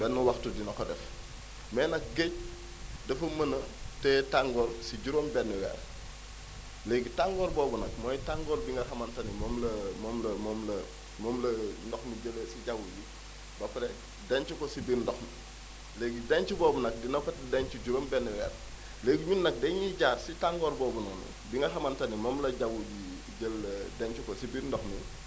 benn waxtu dina ko def mais nag géej dafa mën a téye tàngoor si juróom-benni weer léegi tàngoor boobu nag mooy tàngoor bi nga xamante ni moom la moom la moom la moom la ndox mi jëlee si jawwu ji ba pare denc ko si biir ndox mi léegi denc boobu nag dina ko denc juróom-benni weer léegi ñun nag dañuy jaar si tàngoor boobu noonu bi nga xamante ni moom la jawwu ji jël denc ko si biir ndox mi